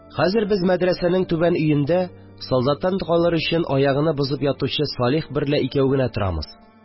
Хәзер без мәдрәсәнең түбән өендә, солдаттан калыр өчен, аягыны бозып ятучи Салих берлә икәү генә торамыз